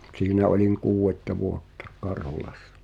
siinä olin kuudetta vuotta Karhulassa